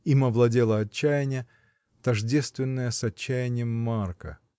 Им овладело отчаяние, тождественное с отчаянием Марка.